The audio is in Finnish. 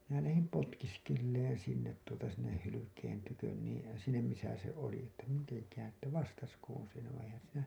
minä lähdin potkiskelemaan sinne tuota sinne hylkeen tykö niin sinne missä se oli että mitenkähän että vastaisikohan se